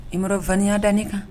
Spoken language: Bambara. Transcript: I amadubaniya dani kan